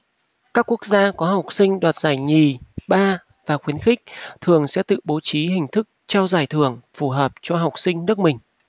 các quốc gia có học sinh đoạt giải nhì ba và khuyến khích thường sẽ tự bố trí hình thức trao giải thưởng phù hợp cho học sinh nước mình